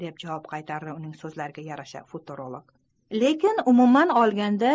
deb javob qaytardi uning so'zlariga yarasha futurologlekin umuman olganda